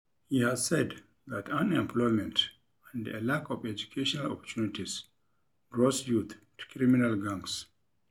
He has said that unemployment and a lack of educational opportunities draws youth to criminal gangs.